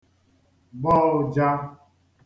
gbọ ụja